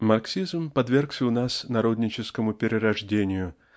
Марксизм подвергся у нас народническому перерождению